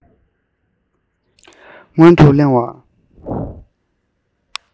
སྔོན དུ གླེང བ